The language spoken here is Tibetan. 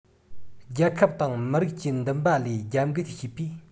རྒྱལ ཁབ དང མི རིགས ཀྱི འདུན པ ལས རྒྱབ འགལ བྱས པས